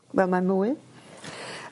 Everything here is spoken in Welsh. Wel mae mwy.